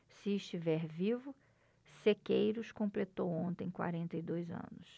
se estiver vivo sequeiros completou ontem quarenta e dois anos